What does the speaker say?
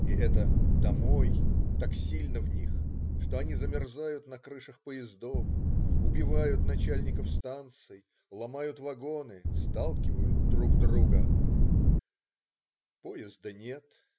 И это "домой" так сильно в них, что они замерзают на крышах поездов, убивают начальников станций, ломают вагоны, сталкивают друг друга. Поезда нет.